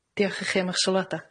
Diolch i chi am eich sylwada.